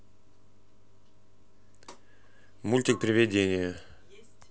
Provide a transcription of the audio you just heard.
мультик приведение